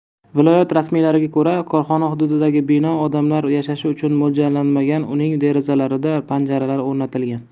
viloyat rasmiylariga ko'ra korxona hududidagi bino odamlar yashashi uchun mo'ljallanmagan uning derazalarida panjaralar o'rnatilgan